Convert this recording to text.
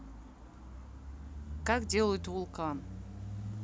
как делают вулкан